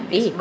i